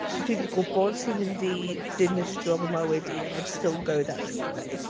dwi'n gwybod sy'n mynd i dinistrio fy mywyd i and I'd still go there anyway.